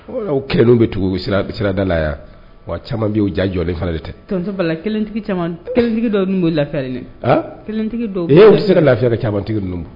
Kelen bɛ tugu siradala la yan wa caman b' u ja jɔlen fana de tɛtigi dɔ bɛ lafiri kelentigi dɔ bɛ sera lafiɛrɛ camantigi ninnu ma